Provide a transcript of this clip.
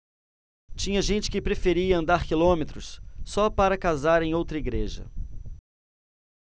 tinha gente que preferia andar quilômetros só para casar em outra igreja